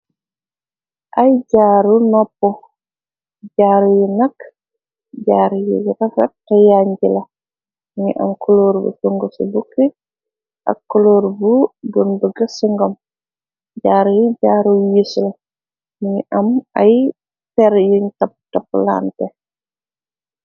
Ay jaaru nopp jaaru yu nakk jaar yi rafe te yanji la ni am kuloor bu tung ci bukki ak kuloor bu bunbëga ci ngom jaar yi jaaru yiisle n am ay ter yuñ tab tapplante.